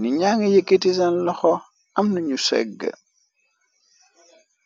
nit ñyangi yekki tisen laxo am na ñyu seggu.